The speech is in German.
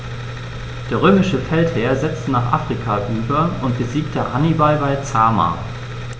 Der römische Feldherr setzte nach Afrika über und besiegte Hannibal bei Zama.